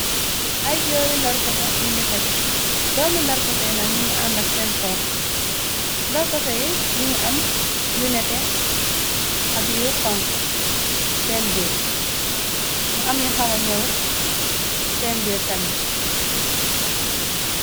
Ay joori ndarkosa ñu ngi tege doomi ndarkosoyi nak ñu ngi àndak seen xooxi ndarkoso yi ñu ngi am yu nete ak yu konko seen bir mu ami xawa ñorut seen bir tamet.